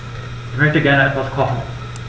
Ich möchte gerne etwas kochen.